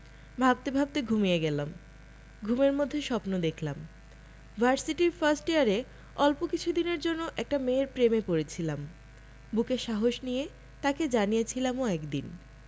ভাবতে ভাবতে ঘুমিয়ে গেলাম ঘুমের মধ্যে স্বপ্ন দেখলাম ভার্সিটির ফার্স্ট ইয়ারে অল্প কিছুদিনের জন্য একটা মেয়ের প্রেমে পড়েছিলাম বুকে সাহস নিয়ে তাকে জানিয়েছিলামও একদিন